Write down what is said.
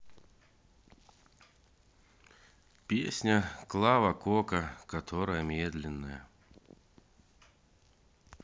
песня клава кока которая медленная